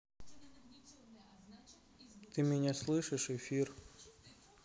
ты меня слышишь эфир